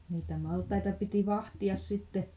niitä maltaita piti vahtia sitten